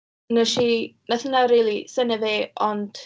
Wnes i... wnaeth hwnna rili synnu fi, ond...